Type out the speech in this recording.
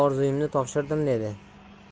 orzuyimni topshirdim dedi